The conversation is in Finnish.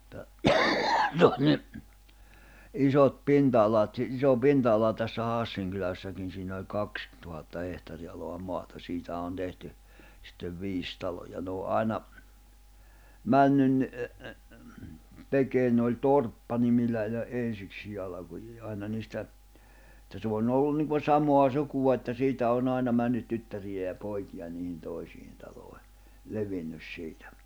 että se on niin isot pinta-alat - iso pinta-ala tässä Hassin kylässäkin siinä oli kaksi tuhatta hehtaarinalaa maata siitähän on tehty sitten viisi taloa ne on aina mennyt tekemään ne oli torppanimillä ihan ensiksikin alkuaan aina niistä että se on ollut niin kuin samaa sukua että siitä on aina mennyt tyttäriä ja poikia niihin toisiin taloihin levinnyt siitä